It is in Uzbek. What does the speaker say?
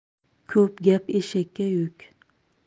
ko'p gap eshakka yuk